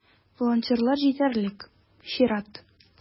Волонтерлар җитәрлек - чират.